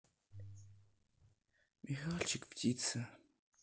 михальчик птицы